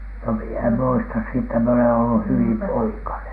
no minä en muista sitä minä olen ollut hyvin poikanen